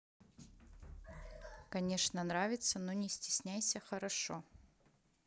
конечно нравится но не стесняйся хорошо